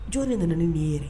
Jɔn de nana ni nin ye yɛrɛ?